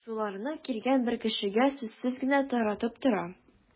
Шуларны килгән бер кешегә сүзсез генә таратып тора.